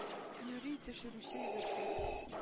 Юри төшерүче егеткә,